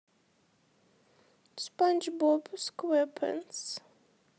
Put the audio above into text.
спанч боб сквепенс